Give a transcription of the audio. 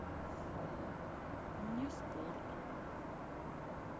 мне спорт